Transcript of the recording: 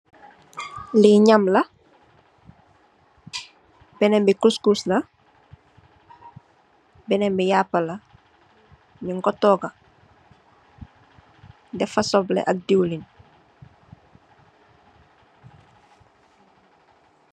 Li ñam la benen bi kuss kuss la, benen bi yapa la ñing ko tóóga def ci sopleh ak diwlin.